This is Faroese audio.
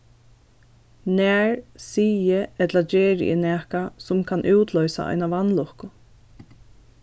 nær sigi ella geri eg nakað sum kann útloysa eina vanlukku